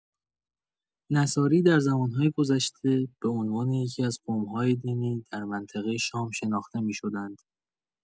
نصاری در زمان‌های گذشته به‌عنوان یکی‌از قوم‌های دینی در منطقه شام شناخته می‌شدند.